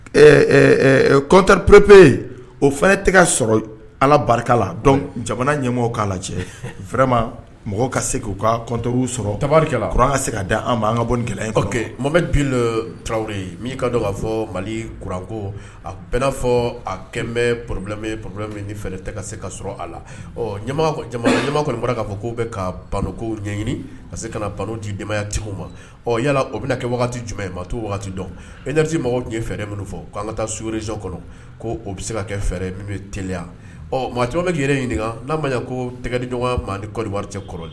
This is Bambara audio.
Kɔ ppurp o fana ye tɛgɛ sɔrɔ ala barika la jamana ɲɛmɔgɔ k'a la cɛ ma mɔgɔ ka se k'u kaw sɔrɔ tari kɔrɔ ka se ka da an an ka bɔ kɛlɛ mɔmɛ bin tarawele ye min ka b'a fɔ mali kuranko a bɛ na fɔ a kɛlen bɛ porobi pp min fɛ se ka a la kɔni bɔra k'a fɔ k' bɛ ka banko ɲɛɲini ka se ka ban di jamayatigiw ma yala o bɛna kɛ jumɛn ma to dɔnti mɔgɔw tun ye fɛɛrɛ minnu fɔ k' an ka taa sreso kɔnɔ ko o bɛ se ka kɛ fɛɛrɛ min bɛ teliya ɔ mɔgɔ caman bɛi ɲini n'a ma ko tɛgɛ ni ɲɔgɔn maa kɔn cɛ kɔrɔ